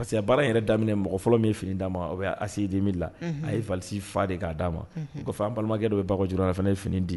Parce que a baara yɛrɛ daminɛ mɔgɔ fɔlɔ min fini d'a ma o' asi di mi la a ye vali fa de k'a d'a ma ko faama an balimakɛ dɔ bɛ ba jɔ dɔrɔn fana ne ye fini di ye